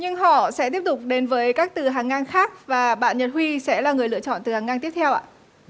nhưng họ sẽ tiếp tục đến với các từ hàng ngang khác và bạn nhật huy sẽ là người lựa chọn từ hàng ngang tiếp theo ạ